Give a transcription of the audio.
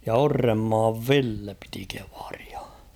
ja Orrenmaan Ville piti kievaria